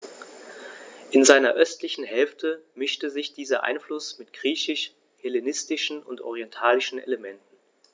In seiner östlichen Hälfte mischte sich dieser Einfluss mit griechisch-hellenistischen und orientalischen Elementen.